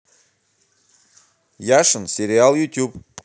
яшин сериал ютуб